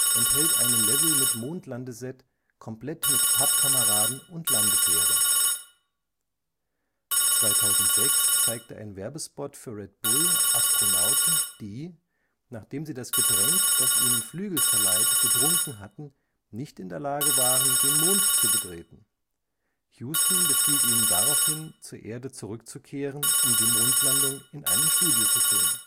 enthält einen Level mit Mondlandeset, komplett mit Pappkameraden und Landefähre. 2006 zeigte ein Werbespot für Red Bull Astronauten, die, nachdem sie das Getränk, das ihnen Flügel verleiht, getrunken hatten, nicht in der Lage waren, den Mond zu betreten. Houston befiehlt ihnen daraufhin, zur Erde zurückzukehren, um die Mondlandung in einem Studio zu filmen